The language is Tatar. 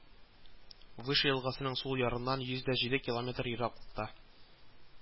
Выша елгасының сул ярыннан йөз дә җиде километр ераклыкта